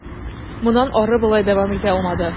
Моннан ары болай дәвам итә алмады.